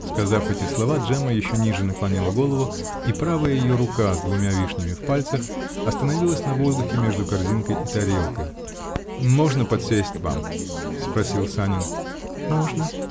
Сказав эти слова, Джемма еще ниже наклонила голову, и правая ее рука, с двумя вишнями в пальцах, остановилась на воздухе между корзинкой и тарелкой. -- Можно подсесть к вам? -- спросил Санин. Можно.